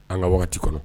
An ka waati kɔnɔ